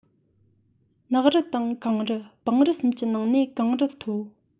ནགས རི དང གངས རི སྤང རི གསུམ གྱི ནང ནས གངས རི མཐོ